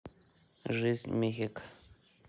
жизнь мехек